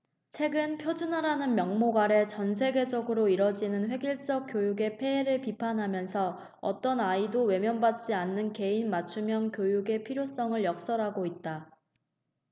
책은 표준화라는 명목 아래 전세계적으로 이뤄지는 획일적 교육의 폐해를 비판하면서 어떤 아이도 외면 받지 않는 개인 맞춤형 교육의 필요성을 역설하고 있다